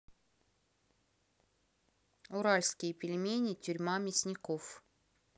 уральские пельмени тюрьма мясников